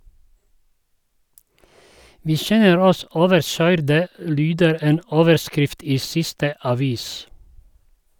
"Vi kjenner oss overkøyrde", lyder en overskrift i siste avis.